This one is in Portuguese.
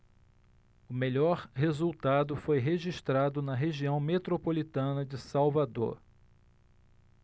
o melhor resultado foi registrado na região metropolitana de salvador